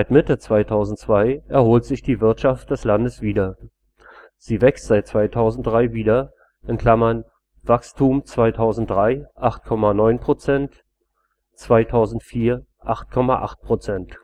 Mitte 2002 erholt sich die Wirtschaft des Landes wieder. Sie wächst seit 2003 wieder (Wachstum 2003: 8,9 %, 2004: 8,8 %